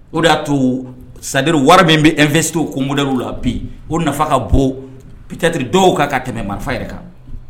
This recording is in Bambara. O de y'a to sadu wara min bɛ n fɛsew ko moɛw la bi o nafa ka bɔ ptatiriri dɔw kan ka tɛmɛ marifa yɛrɛ kan